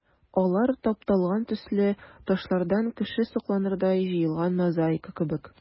Алар тапталган төсле ташлардан кеше сокланырдай җыелган мозаика кебек.